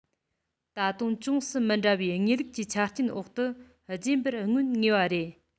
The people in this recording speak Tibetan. ད དུང ཅུང ཟད མི འདྲ བའི དངོས ལུགས ཀྱི ཆ རྐྱེན འོག ཏུ རྗེན པར མངོན ངེས པ རེད